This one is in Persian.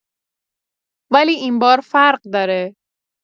ولی این بار فرق داره.